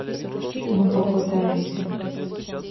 ну попытайся